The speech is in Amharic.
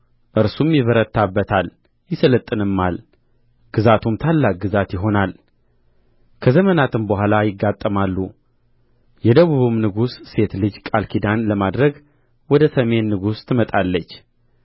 እርሱም ይበረታበታል ይሠለጥንማል ግዛቱም ታላቅ ግዛት ይሆናል ከዘመናትም በኋላ ይጋጠማሉ የደቡብም ንጉሥ ሴት ልጅ ቃል ኪዳን ለማድረግ ወደ ሰሜን ንጉሥ ትመጣለች